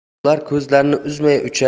ular ko'zlarini uzmay